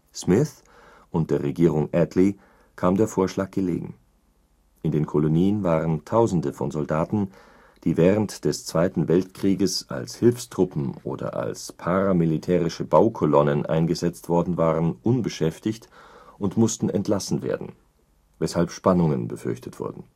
Smith und der Regierung Attlee kam der Vorschlag gelegen. In den Kolonien waren Tausende von Soldaten, die während des Zweiten Weltkrieges als Hilfstruppen oder als paramilitärische Baukolonnen eingesetzt worden waren, unbeschäftigt und mussten entlassen werden, weshalb Spannungen befürchtet wurden